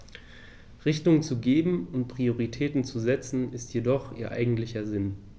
Richtung zu geben und Prioritäten zu setzen, ist jedoch ihr eigentlicher Sinn.